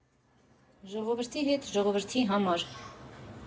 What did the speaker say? Ժողովրդի հետ, ժողովրդի համար։